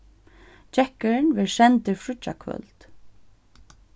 gekkurin verður sendur fríggjakvøld